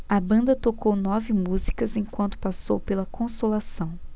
a banda tocou nove músicas enquanto passou pela consolação